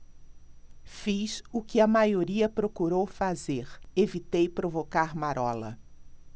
fiz o que a maioria procurou fazer evitei provocar marola